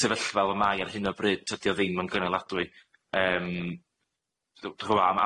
sefyllfa fel mai ar hyn o bryd tydi o ddim yn gynaladwy yym